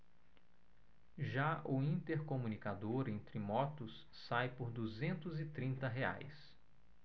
já o intercomunicador entre motos sai por duzentos e trinta reais